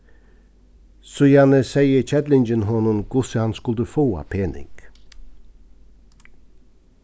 síðani segði kellingin honum hvussu hann skuldi fáa pening